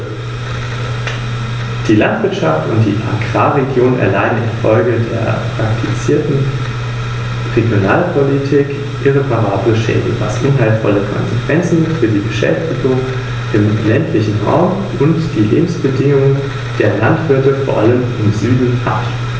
Als Folge daraus findet die Verordnung bei mehreren kleinen Staaten der Europäischen Union keine Anwendung.